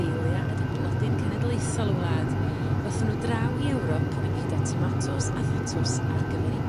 dahlia ydi blodyn cenedlaethol y wlad ddathon n'w draw i Ewrop ynghyd â tomatos a thatws ar gyfer 'u